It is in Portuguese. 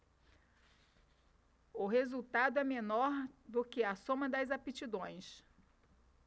o resultado é menor do que a soma das aptidões